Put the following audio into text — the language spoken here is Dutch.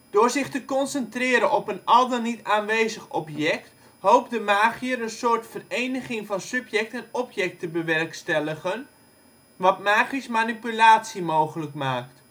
door zich te concentreren op een al dan niet aanwezig object hoopt de magiër een soort vereniging van subject en object te bewerkstelligen, wat magisch manipulatie mogelijk maakt